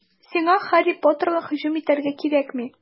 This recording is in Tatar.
Сиңа Һарри Поттерга һөҗүм итәргә кирәкми.